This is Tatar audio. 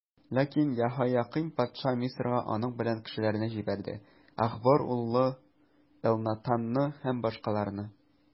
Ләкин Яһоякыйм патша Мисырга аның белән кешеләрне җибәрде: Ахбор углы Элнатанны һәм башкаларны.